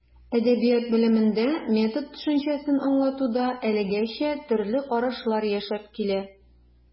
Әдәбият белемендә метод төшенчәсен аңлатуда әлегәчә төрле карашлар яшәп килә.